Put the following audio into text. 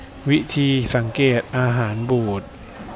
วิธีสังเกตอาหารบูด